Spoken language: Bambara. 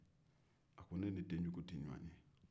a ko ne ni denjugu tɛ ɲɔgɔn ye